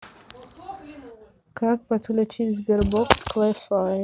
как подключить sberbox к вай фаю